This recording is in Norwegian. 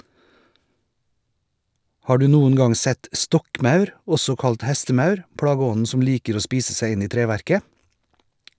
Har du noen gang sett stokkmaur, også kalt hestemaur, plageånden som liker å spise seg inn i treverket?